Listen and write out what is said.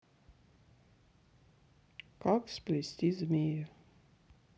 как сплести змея